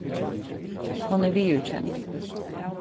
hon er viðurkend